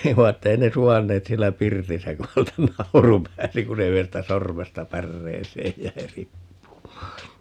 ei vaan että ei ne suvainneet siellä pirtissä kun häneltä nauru pääsi kun se yhdestä sormesta päreeseen jäi riippumaan